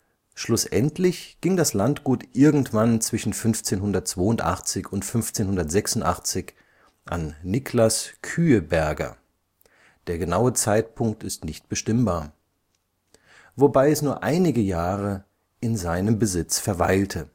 Schlussendlich ging das Landgut irgendwann zwischen 1582 und 1586 an Niclas Khüeberger (der genaue Zeitpunkt ist nicht bestimmbar), wobei es nur einige Jahre in seinem Besitz verweilte